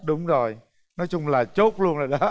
đúng rồi nói chung là chốt luôn rồi đó